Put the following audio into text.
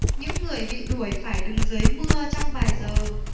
những người bị đuổi phải đứng dưới mưa trong vài giờ